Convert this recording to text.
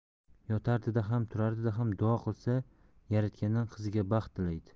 yotarida ham turarida ham duo qilsa yaratgandan qiziga baxt tilaydi